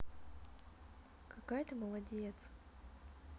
какая ты молодец